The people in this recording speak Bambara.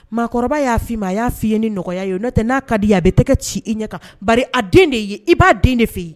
Mɔgɔkɔrɔba y'a fi ma a y'a f' ye ni nɔgɔyaya ye n'o tɛ n'a ka di a bɛ tɛgɛ ci i ɲɛ kan a den de ye i b'a den de fɛ yen